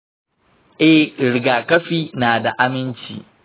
eh, rigakafi na da aminci.